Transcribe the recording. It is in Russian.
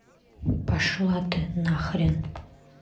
пошла ты нахрен